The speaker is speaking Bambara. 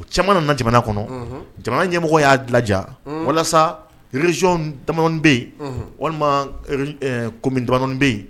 O cɛman na jamana kɔnɔ jamana ɲɛmɔgɔ y'a dilanja walasa walasa rezyɔn bɛ yen walima ko bɛ yen